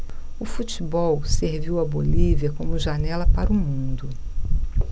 o futebol serviu à bolívia como janela para o mundo